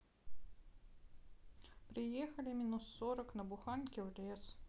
приехали минус сорок на буханке в лес